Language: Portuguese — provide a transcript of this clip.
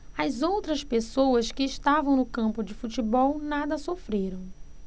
as outras pessoas que estavam no campo de futebol nada sofreram